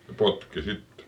ne potki sitten